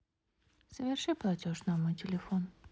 соверши платеж на мой телефон